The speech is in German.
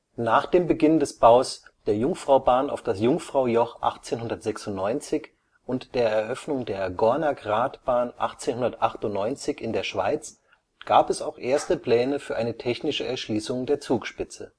Nach dem Beginn des Baus der Jungfraubahn auf das Jungfraujoch 1896 und der Eröffnung der Gornergratbahn 1898 in der Schweiz gab es auch erste Pläne für eine technische Erschließung der Zugspitze